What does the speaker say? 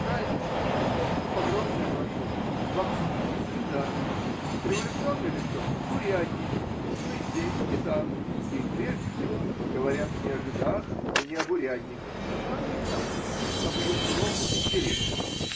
Разница только в том, что погромная брошюра во всем винит жида, революционный листок – урядника, но и здесь, и там ей прежде всего говорят не о жидах и не об урядниках, а о ней самой, об ее кровных интересах.